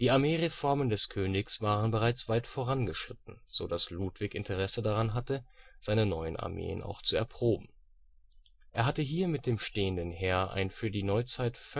Armeereformen des Königs waren bereits weit vorangeschritten, so dass Ludwig Interesse daran hatte, seine neuen Armeen auch zu erproben. Er hatte hier mit dem stehenden Heer ein für die Neuzeit